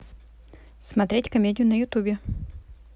смотреть комедию на ютубе